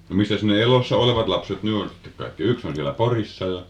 no missäs ne elossa olevat lapset nyt on sitten kaikki yksi on siellä Porissa ja